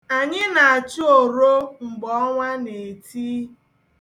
Anyị na-achụ oro mgbe ọnwa na-eti.